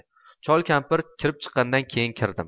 chol kampir kirib chiqqandan keyin kirdim